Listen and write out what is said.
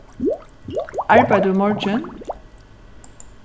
arbeiðir tú í morgin